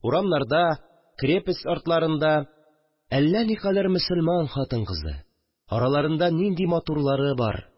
Урамнарда, крепость артларында әллә никадәр мөселман хатын-кызы, араларында нинди матурлары бар